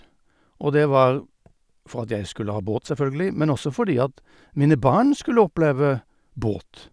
Og det var for at jeg skulle ha båt, selvfølgelig, men også fordi at mine barn skulle oppleve båt.